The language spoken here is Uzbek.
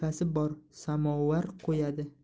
bor samovar qo'yadi